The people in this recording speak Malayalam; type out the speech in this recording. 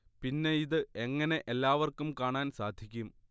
പിന്നെ ഇത് എങ്ങനെ എല്ലാവർക്കും കാണാൻ സാധിക്കും